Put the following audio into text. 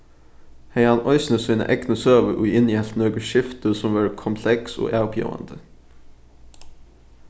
hevði hann eisini sína egnu søgu ið innihelt nøkur skifti sum vóru kompleks og avbjóðandi